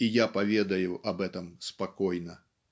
и я поведаю об этом спокойно.